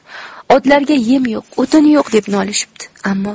otlarga yem yo'q o'tin yo'q deb nolishibdi